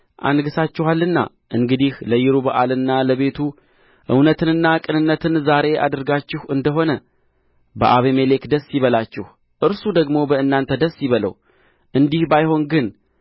አንግሣችኋልና እንግዲህ ለይሩበኣልና ለቤቱ እውነትንና ቅንነትን ዛሬ አድርጋችሁ እንደ ሆነ በአቤሜሌክ ደስ ይበላችሁ እርሱ ደግሞ በእናንተ ደስ ይበለው እንዲህ ባይሆን ግን